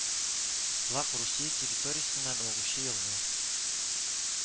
Слак Русия территориясеннән агучы елга